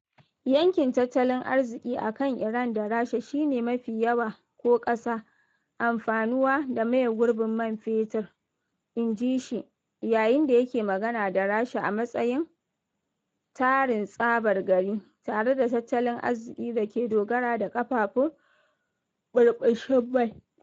"Yankin tattalin arziki a kan Iran da Rasha shi ne, mafi yawa ko ƙasa, amfanuwa da maye gurbin man fetur," in ji shi, yayin da yake magana da Rasha a matsayin "tarin tsabar gari" tare da tattalin arziki da ke dogara da ƙafafun ɓurbushin mai.